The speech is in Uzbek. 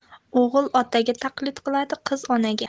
o'g'il otaga taqlid qiladi qiz onaga